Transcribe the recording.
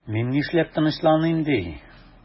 Мин нишләп тынычланыйм ди?